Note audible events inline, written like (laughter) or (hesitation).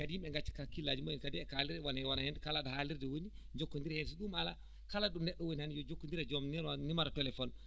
kadi yimɓe ɓe ngaccita hakkillaaji mumen kadi e kaalirɗe wona heen wona heen kala ɗo haalirde woni jokkonndire so ɗum alaa kala ɗo neɗɗo woni tan yo jokkonndire e joom (hesitation) numéro téléphone